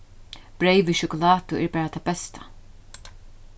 breyð við sjokulátu er bara tað besta